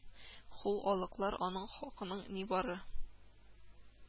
Ху алыклар аның хакының нибары